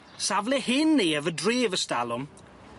Safle hen neuadd y dref ers dalwm.